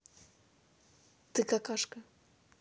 ты какашка и пися